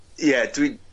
Ie dwi